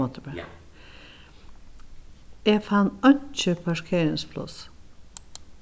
eg fann einki parkeringspláss